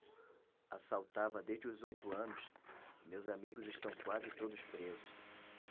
assaltava desde os oito anos e meus amigos estão quase todos presos